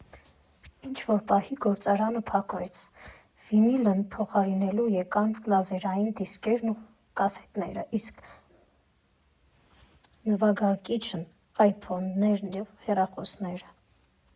Ինչ֊որ պահի գործարանը փակվեց, վինիլին փոխարինելու եկան լազերային դիսկերն ու կասետները, իսկ նվագարկչին՝ այփոդներն ու հեռախոսները։